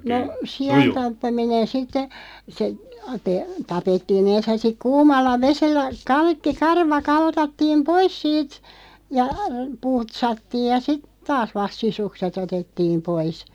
no siantappaminen sitten se - tapettiin ensin ja sitten kuumalla vedellä kaikki karva kaltattiin pois siitä ja putsattiin ja sitten taas vasta sisukset otettiin pois